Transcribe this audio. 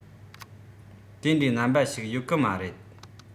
དེ འདྲའི རྣམ པ ཞིག ཡོད གི མ རེད